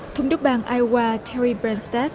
thống đốc bang ai oa theo li be tét